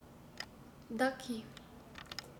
བདག གིས